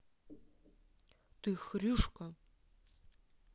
ты хрюшка